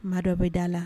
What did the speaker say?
Maa dɔ bɛ da la